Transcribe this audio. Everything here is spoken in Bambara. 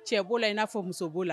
Cɛ b'o la i n'a fɔ muso b'o la